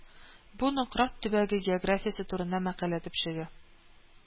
Бу Нократ төбәге географиясе турында мәкалә төпчеге